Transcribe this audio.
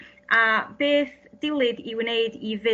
a beth dilid i wneud i fynd